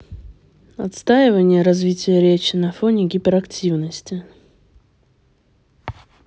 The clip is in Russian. отставание развития речи на фоне гиперактивности